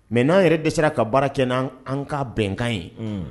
Mɛ n'an yɛrɛ dese ka baara kɛ n an ka bɛnkan ye